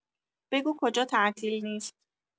بگو کجا تعطیل نیست